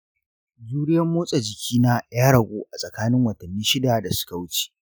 juriyan motsa jiki na ya ragu a tsakanin watanni shida da suka wuce.